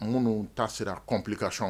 Munun ta sera complication